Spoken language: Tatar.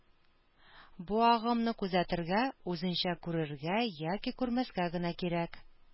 Бу агымны күзәтергә, үзеңчә күрергә, яки күрмәскә генә кирәк